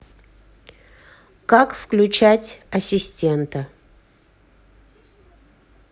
как включать ассистента